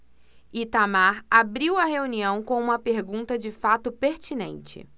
itamar abriu a reunião com uma pergunta de fato pertinente